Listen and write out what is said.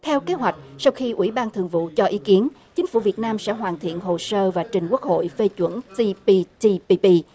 theo kế hoạch sau khi ủy ban thường vụ cho ý kiến chính phủ việt nam sẽ hoàn thiện hồ sơ và trình quốc hội phê chuẩn xi pi ti pi pi